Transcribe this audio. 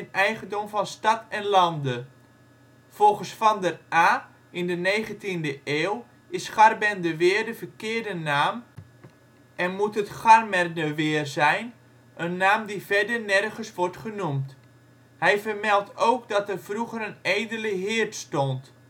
eigendom van Stad en Lande. Volgens Van der Aa (19e eeuw) is Garbendeweer de verkeerde naam en moet het Garmerdeweer zijn (een naam die verder nergens wordt genoemd). Hij vermeldt ook dat er vroeger een edele heerd stond